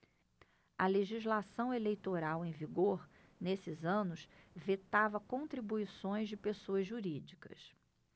a legislação eleitoral em vigor nesses anos vetava contribuições de pessoas jurídicas